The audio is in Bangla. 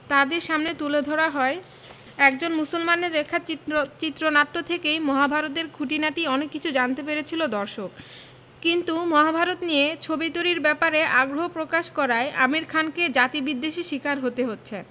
তাঁদের সামনে তুলে ধরা হয় একজন মুসলমানের লেখা চিত্র চিত্রনাট্য থেকেই মহাভারত এর খুঁটিনাটি অনেক কিছু জানতে পেরেছিল দর্শক কিন্তু মহাভারত নিয়ে ছবি তৈরির ব্যাপারে আগ্রহ প্রকাশ করায় আমির খানকে জাতিবিদ্বেষের শিকার হতে হচ্ছে